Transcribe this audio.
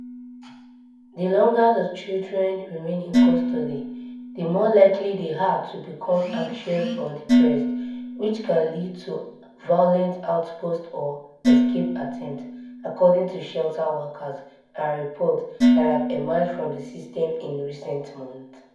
The longer that children remain in custody, the more likely they are to become anxious or depressed, which can lead to violent outbursts or escape attempts, according to shelter workers and reports that have emerged from the system in recent months.